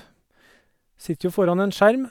Sitter jo foran en skjerm.